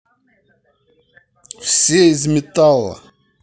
все из металла